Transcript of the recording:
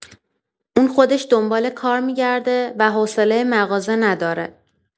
اون خودش دنبال کار می‌گرده و حوصله مغازه نداره.